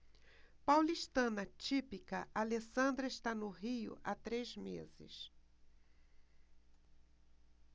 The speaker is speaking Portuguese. paulistana típica alessandra está no rio há três meses